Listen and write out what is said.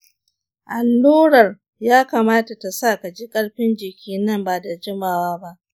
allurar ya kamata ta sa ka ji ƙarfin jiki nan ba da jimawa ba